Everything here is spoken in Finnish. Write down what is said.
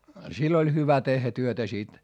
sillä oli hyvä tehdä työtä sitten